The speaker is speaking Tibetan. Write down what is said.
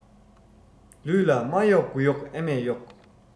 ལུས ལ མ གཡོགས དགུ གཡོགས ཨ མས གཡོགས